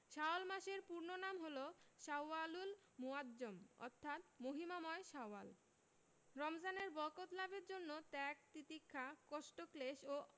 শাওয়াল মাসের পূর্ণ নাম হলো শাওয়ালুল মুআজ্জম অর্থাৎ মহিমাময় শাওয়াল রমজানের বরকত লাভের জন্য ত্যাগ তিতিক্ষা কষ্টক্লেশ ও